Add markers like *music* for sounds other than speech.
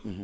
*hesitation* *hesitation*